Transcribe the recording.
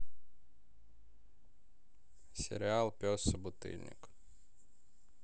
сериал пес собутыльник